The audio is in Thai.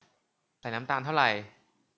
ใส่น้ำตาลเท่าไร